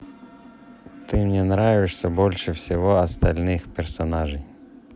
ты мне нравишься больше всех остальных персонажей